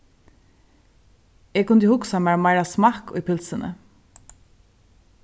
eg kundi hugsað mær meira smakk í pylsuni